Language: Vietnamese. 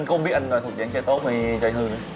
không biết anh thuộc dạng trai tốt hay trai hư